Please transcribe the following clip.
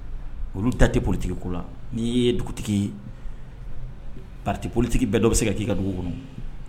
Olu ta tɛ politigi ko la n'i ye dugutigi paolitigi bɛɛ dɔ bɛ se ka k'i ka dugu kɔnɔ